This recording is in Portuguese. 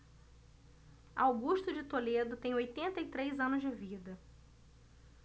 augusto de toledo tem oitenta e três anos de vida